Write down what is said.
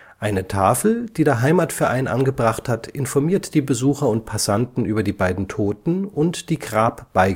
Eine Tafel, die der Heimatverein angebracht hat, informiert die Besucher und Passanten über die beiden Toten und die Grabbeigaben. In